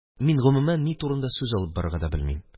Мин, гомумән, ни турында сүз алып барырга да белмим